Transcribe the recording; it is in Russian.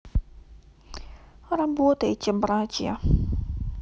работайте братья